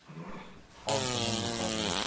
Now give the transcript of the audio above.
oltinim yetarli